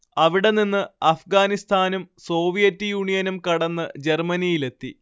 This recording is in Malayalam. അവിടെ നിന്ന് അഫ്ഗാനിസ്ഥാനും സോവിയറ്റ് യൂണിയനും കടന്ന് ജർമ്മനിയിലെത്തി